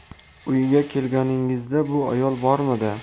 uyga kelganingizda bu ayol bormidi